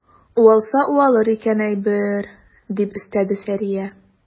Уалса уалыр икән әйбер, - дип өстәде Сәрия.